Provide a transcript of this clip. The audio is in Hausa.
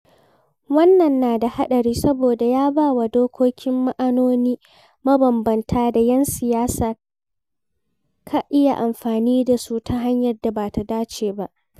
Wannan na da haɗari saboda ya ba wa dokokin ma'anoni mabambamta da 'yan siyasa ka iya amfani da su ta hanyar da ba ta dace ba.